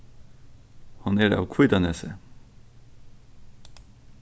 hon er av hvítanesi